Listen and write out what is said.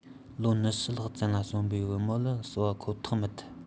ལོ ༢༠ ལྷག ཙམ ལ སོན པའི བུ མོ ལ བསིལ བ ཁོ ཐག མི ཐུབ